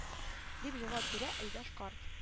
Дип җавап бирә айдаш карт